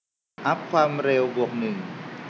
อัพความเร็วบวกหนึ่ง